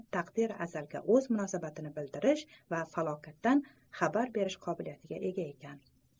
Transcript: taqdiri azalga o'z munosabatini bildirish va falokatdan xabar berish qobiliyatiga ega ekan